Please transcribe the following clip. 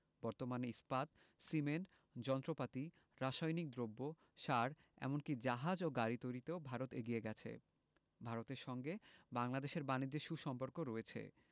বর্তমানে ইস্পাত সিমেন্ট যন্ত্রপাতি রাসায়নিক দ্রব্য সার এমন কি জাহাজ ও গাড়ি তৈরিতেও ভারত এগিয়ে গেছে ভারতের সঙ্গে বাংলাদেশের বানিজ্যে সু সম্পর্ক রয়েছে